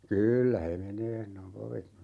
kyllä he menee sanoi papit